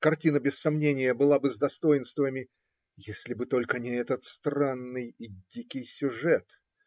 Картина, без сомнения, была бы с достоинствами, если бы только не этот странный и дикий сюжет.